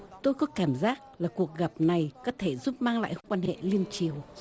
tôi có cảm giác là cuộc gặp này có thể giúp mang lại quan hệ liên triều